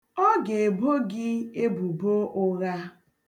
Ọ ga-ebo gị ebubo ụgha.